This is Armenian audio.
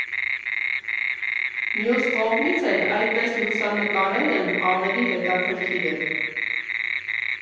Մյուս կողմից էլ, այդպես լուսանկարելն ավելի հետաքրքիր է։